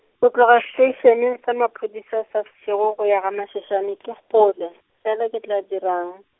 go tloga seteišeneng sa maphodisa sa Seshego go ya gaMashashane ke kgole, fela ke tla dirang?